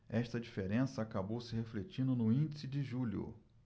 esta diferença acabou se refletindo no índice de julho